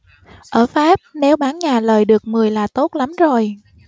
ở pháp nếu bán nhà lời được mười là tốt lắm rồi